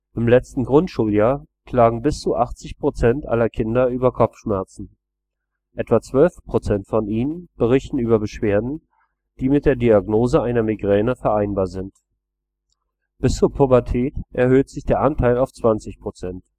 letzten Grundschuljahr klagen bis zu 80 % aller Kinder über Kopfschmerzen. Etwa 12 % von ihnen berichten über Beschwerden, die mit der Diagnose einer Migräne vereinbar sind. Bis zur Pubertät erhöht sich der Anteil auf 20 %